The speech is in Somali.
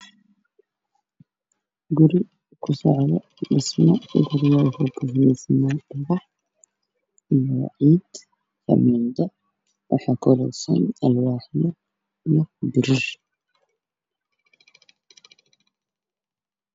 Halkaan waxaa ka muuqdo guri aasaaska la dhisaayo oo dhagaxyo ku jajabsan Alwaax iyo biro ku xiran yihiin